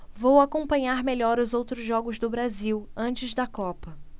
vou acompanhar melhor os outros jogos do brasil antes da copa